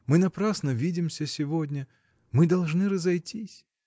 мы напрасно видимся сегодня: мы должны разойтись!